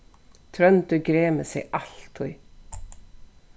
tróndur gremur seg altíð